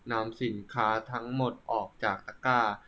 นำสินค้าทั้งหมดออกจากตะกร้า